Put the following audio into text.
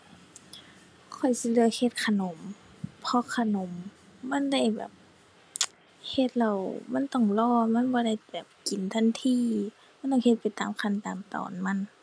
ข้อยสิเลือกเฮ็ดขนม เพราะขนมมันได้แบบ เฮ็ดแล้วมันต้องรอ มันบ่ได้แบบกินทันที มันต้องเฮ็ดไปตามขั้นตามตอนมัน